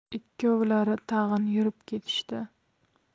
ikkovlari tag'in yurib ketishdi